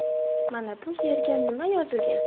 mana bu yerga nima yozilgan